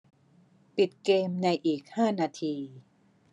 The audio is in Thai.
ปิดเกมส์ในอีกห้านาที